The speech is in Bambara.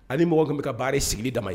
A bɛ mɔgɔ tun bɛ ka baara sigi dama ye